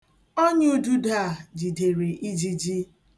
Ọnyaududo a jidere ijiji.